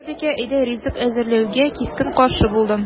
Яшь хуҗабикә өйдә ризык әзерләүгә кискен каршы булды: